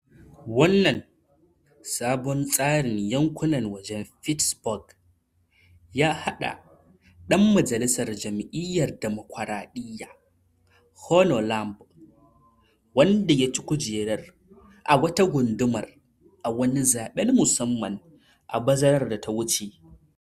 Wannan sabon tsarin yankunan wajen Pittsburg ya haɗa Ɗan Majalisar Jam’iyyar Damokraɗiya Conor Lamb - wanda ya ci kujerar a wata gundumar a wani zaben musamman a bazarar da ta wuce.